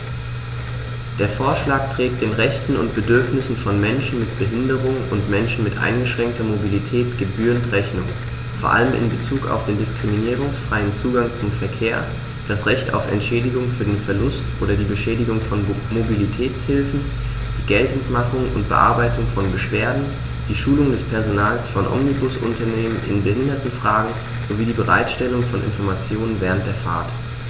Der Vorschlag trägt den Rechten und Bedürfnissen von Menschen mit Behinderung und Menschen mit eingeschränkter Mobilität gebührend Rechnung, vor allem in Bezug auf den diskriminierungsfreien Zugang zum Verkehr, das Recht auf Entschädigung für den Verlust oder die Beschädigung von Mobilitätshilfen, die Geltendmachung und Bearbeitung von Beschwerden, die Schulung des Personals von Omnibusunternehmen in Behindertenfragen sowie die Bereitstellung von Informationen während der Fahrt.